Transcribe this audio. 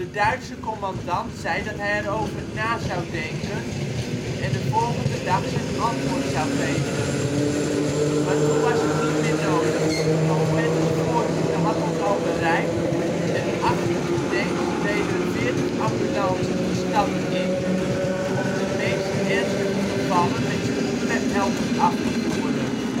Duitse commandant zei dat hij erover na zou denken en de volgende dag zijn antwoord zou geven. Maar toen was het niet meer nodig, want Pattons voorhoede had ons al bereikt en achter de tanks reden veertig ambulances de stad in om de meest ernstige gevallen met spoed naar elders af te voeren